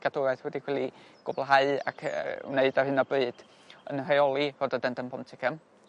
gadwraeth wedi ca'l 'i gwblhau ac yy wneud ar hyn o bryd yn rheoli Rhoododendron Ponticum.